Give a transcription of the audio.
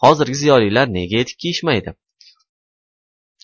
hozirgi ziyolilar nega etik kiyishmaydi